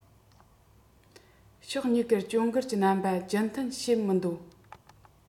ཕྱོགས གཉིས ཀར གྱོང འགུལ གྱི རྣམ པ རྒྱུན མཐུད བྱེད མི འདོད